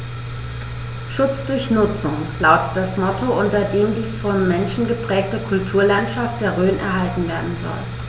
„Schutz durch Nutzung“ lautet das Motto, unter dem die vom Menschen geprägte Kulturlandschaft der Rhön erhalten werden soll.